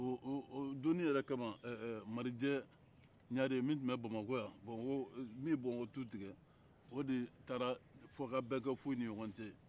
o-o-o don nin yɛrɛ kama ɛɛ marijɛ ɲare min tun bɛ bamakɔ yan bamako min ye bamakɔ tu tigɛ o de taara fɔkabɛn ka f'u ni ɲɔgɔn cɛ